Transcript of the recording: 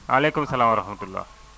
waaleykum salaam wa rahmatulah